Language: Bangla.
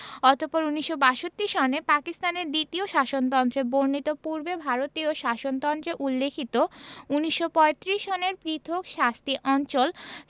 অতপর ১৯৬২ সনে পাকিস্তানের দ্বিতীয় শাসনতন্ত্রে বর্ণিত পূর্বে ভারতীয় শাসনতন্ত্রে উল্লিখিত ১৯৩৫ সনের পৃথক শাস্তি অঞ্চল